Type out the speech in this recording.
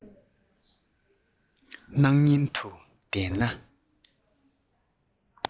སྣང བརྙན དུ བསྡུས ནས